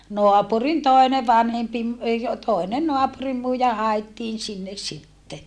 naapurin toinen vanhempi - ei - toinen naapurinmuija haettiin sinne sitten